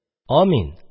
Амин!